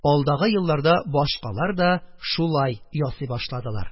Алдагы елларда башкалар да шулай ясый башладылар.